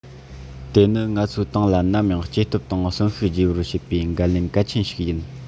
དེ ནི ང ཚོའི ཏང ལ ནམ ཡང སྐྱེ སྟོབས དང གསོན ཤུགས རྒྱས པར བྱེད པའི འགན ལེན གལ ཆེན ཞིག ཡིན